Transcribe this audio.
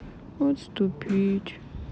отступить